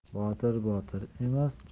botir botir emas